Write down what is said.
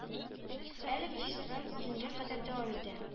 Әлеге фестиваль июньгә кадәр дәвам итә